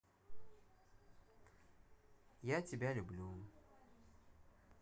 я тебе люблю